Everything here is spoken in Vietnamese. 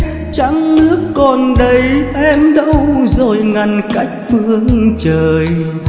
trăng nước còn đây em đâu rồi ngăn cách phương trời